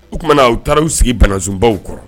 O tumaumana na u taara' u sigi banasobaw kɔrɔ